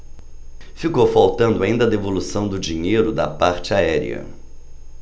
ficou faltando ainda a devolução do dinheiro da parte aérea